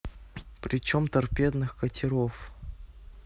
причем торпедных катеров